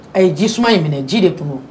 A ye ji suma in minɛ ji de tun